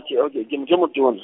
ke o ke, ke mot-, ke motona.